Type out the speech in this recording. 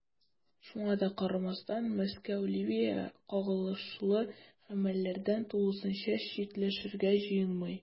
Шуңа да карамастан, Мәскәү Ливиягә кагылышлы гамәлләрдән тулысынча читләшергә җыенмый.